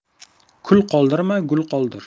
kul qoldirma gul qoldir